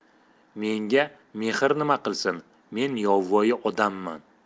menda mehr nima qilsin men yovvoyi odamman